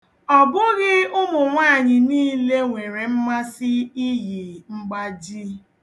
Ọ bụghị ụmụnwaanyị niile nwere mmasị iyi mgbaji.